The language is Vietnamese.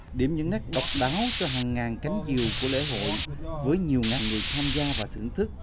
điểm nhấn nét độc đáo cho hàng ngàn cánh diều của lễ hội với nhiều ngàn người tham gia và thưởng thức